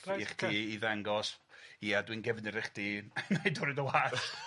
Reit ocê. ...i chdi i ddangos ia dwi'n gefndir i chdi wnâi dorri dy wallt.